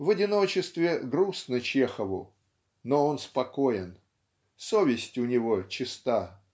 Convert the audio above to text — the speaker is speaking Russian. В одиночестве грустно Чехову, но он спокоен. Совесть у него чиста.